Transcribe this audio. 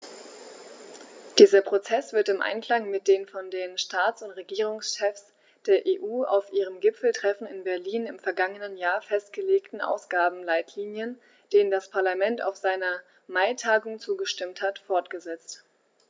Dieser Prozess wird im Einklang mit den von den Staats- und Regierungschefs der EU auf ihrem Gipfeltreffen in Berlin im vergangenen Jahr festgelegten Ausgabenleitlinien, denen das Parlament auf seiner Maitagung zugestimmt hat, fortgesetzt.